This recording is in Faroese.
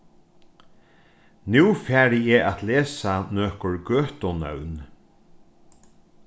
nú fari eg at lesa nøkur gøtunøvn